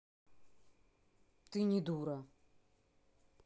ты не дура